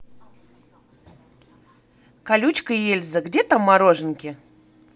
колючка и эльза где там мороженки